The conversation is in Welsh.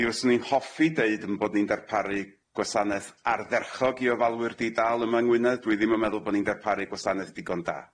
Mi fyswn i'n hoffi deud 'yn bod ni'n darparu gwasaneth ardderchog i ofalwyr di-dal yma yng Ngwynedd dwi ddim yn meddwl bo ni'n darparu gwasaneth digon da.